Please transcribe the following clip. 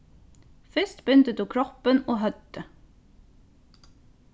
fyrst bindur tú kroppin og høvdið